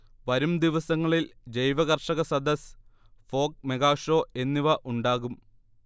വരുംദിവസങ്ങളിൽ ജൈവകർഷകസദസ്സ്, folk mega show എന്നിവ ഉണ്ടാകും